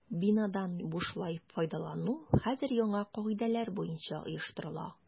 Бинадан бушлай файдалану хәзер яңа кагыйдәләр буенча оештырыла.